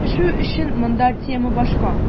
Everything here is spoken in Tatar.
Сөйләшү өчен монда тема башка.